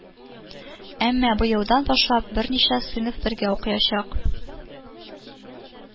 Әмма быелдан башлап берничә сыйныф бергә укыячак